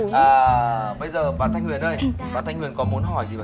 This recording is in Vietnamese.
à bây giờ bạn thanh huyền ơi bạn thanh huyền có muốn hỏi gì